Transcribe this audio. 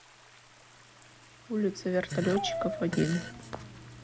улица вертолетчиков один